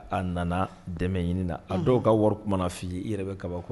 A nana dɛmɛ ɲini na, unhun,a dɔw ka wari ko mana f'i ye i yɛrɛ bɛ kabako